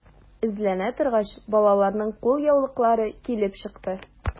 Эзләнә торгач, балаларның кулъяулыклары килеп чыкты.